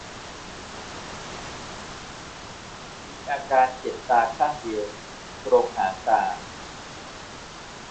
มีอาการเจ็บตาข้างเดียวตรงหางตา